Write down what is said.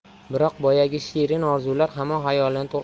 biroq boyagi shirin orzular hamon